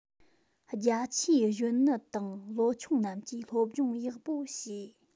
རྒྱ ཆེའི གཞོན ནུ དང ལོ ཆུང རྣམས ཀྱིས སློབ སྦྱོང ཡག པོ བྱས